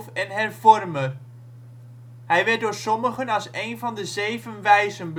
en hervormer. Hij werd door sommigen als een van de Zeven Wijzen